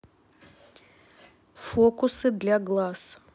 фокусы для глаз